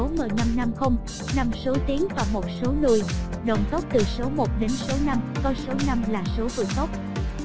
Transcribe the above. cùng hộp số m số tiến và số lùi đồng tốc từ số đến số có số là số vượt tốc